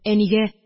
Әнигә: